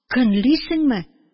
Көнлисеңме?